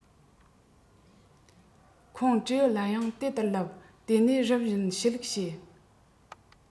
ཁོང སྤྲེའུ ལ ཡང དེ ལྟར ལབ དེ ནས རིམ བཞིན ཞུ ལུགས བྱེད